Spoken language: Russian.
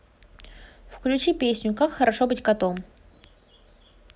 включи песню как хорошо быть котом